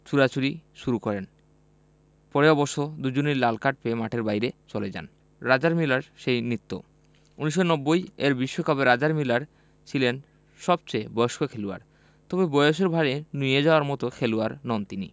ছোড়াছুড়ি শুরু করেন পরে অবশ্য দুজনই লাল কার্ড পেয়ে মাঠের বাইরে চলে যান রজার মিলার সেই নৃত্য ১৯৯০ এর বিশ্বকাপে রজার মিলা ছিলেন সবচেয়ে বয়স্ক খেলোয়াড় তবে বয়সের ভাঁড়ে নুয়ে যাওয়ার মতো খেলোয়াড় নন তিনি